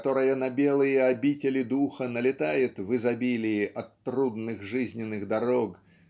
которая на белые обители духа налетает в изобилии от трудных жизненных дорог